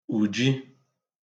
uji